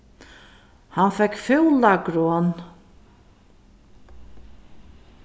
hann fekk fúla gron